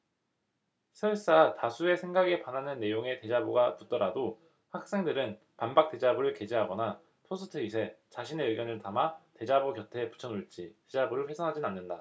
설사 다수의 생각에 반하는 내용의 대자보가 붙더라도 학생들은 반박 대자보를 게재하거나 포스트잇에 자신의 의견을 담아 대자보 곁에 붙여놓지 대자보를 훼손하지는 않는다